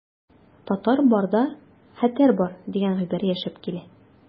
Татар барда хәтәр бар дигән гыйбарә яшәп килә.